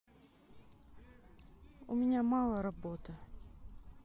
у меня мало работы